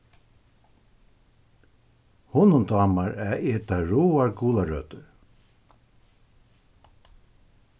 honum dámar at eta ráar gularøtur